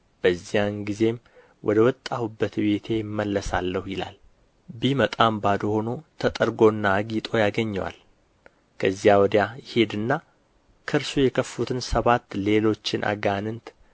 በዚያን ጊዜም ወደ ወጣሁበት ቤቴ እመለሳለሁ ይላል ቢመጣም ባዶ ሆኖ ተጠርጎና አጊጦ ያገኘዋል ከዚያ ወዲያ ይሄድና ከእርሱ የከፉትን ሰባት ሌሎችን አጋንንት